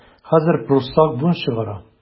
Хәзер пруссак бунт чыгара.